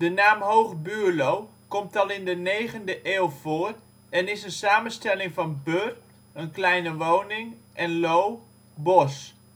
naam (Hoog) Buurlo komt al in de 9e eeuw voor en is een samenstelling van bur (kleine woning) en lo (bos